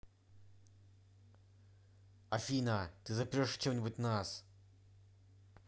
афина ты запрешь чем нибудь нас